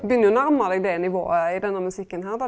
begynner jo å nærma deg det nivået i denne musikken her då.